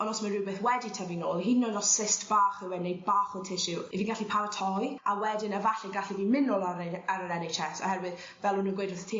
on' os ma' rywbeth wedi tyfu nôl hyd yn oed os cyst bach yw e neu bach o tissue 'yf fi gallu paratoi a wedyn efalle gallu fi myn nôl ar ei- ar yr En Aitch Ess oherwydd fel o' nw'n gweud wrth ti...